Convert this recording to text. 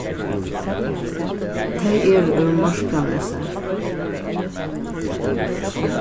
tey eru úr morskranesi